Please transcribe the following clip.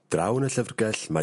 Draw yn y llyfrgell mae...